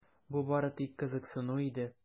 Бу бары тик кызыксыну иде.